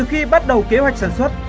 từ khi bắt đầu kế hoạch sản xuất